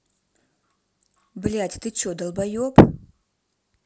блядь ты че долбоеб